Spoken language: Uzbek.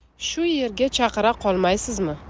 shu yerga chaqira qolmaysizmi